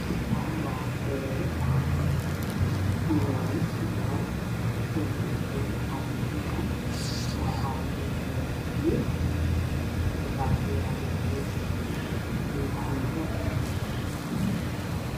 Waa beero yaanyo badan dhulku waa dhul carogaduud ah waxa lagu furayaa biyo waxa ku yaalo gees geed qunbo